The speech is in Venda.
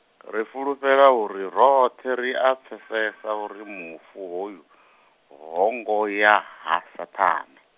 ri fulufhela uri roṱhe ria pfesesa uri mufu hoyu, ho ngo ya ha Saṱhane.